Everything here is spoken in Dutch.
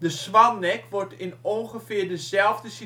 swan neck wordt in ongeveer dezelfde